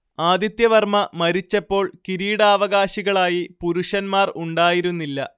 ആദിത്യവർമ്മ മരിച്ചപ്പോൾ കിരീടാവകാശികളായി പുരുഷന്മാർ ഉണ്ടായിരുന്നില്ല